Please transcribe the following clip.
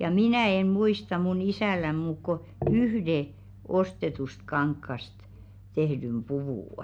ja minä en muista minun isälläni muuta kuin yhden ostetusta kankaasta tehdyn puvun